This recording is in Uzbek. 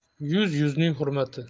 yuz yuzning hurmati